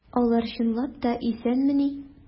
Алар чынлап та исәнмени?